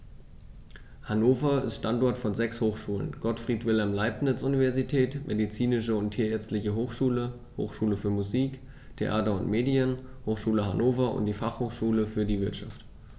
Hannover ist Standort von sechs Hochschulen: Gottfried Wilhelm Leibniz Universität, Medizinische und Tierärztliche Hochschule, Hochschule für Musik, Theater und Medien, Hochschule Hannover und die Fachhochschule für die Wirtschaft.